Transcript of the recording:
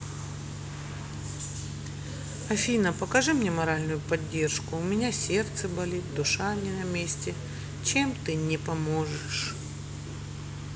афина покажи мне моральную поддержку у меня сердце болит душа не на месте чем ты не поможешь